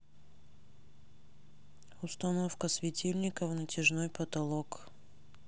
установка светильника в натяжной потолок